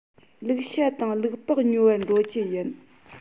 ལུག ཤ དང ལུག ལྤགས ཉོ བར འགྲོ རྒྱུ ཡིན